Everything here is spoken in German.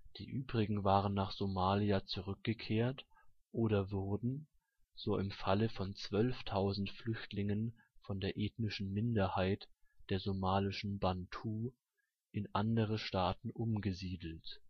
Die Übrigen waren nach Somalia zurückgekehrt oder wurden – so im Falle von 12.000 Flüchtlingen von der ethnischen Minderheit der somalischen Bantu – in andere Staaten umgesiedelt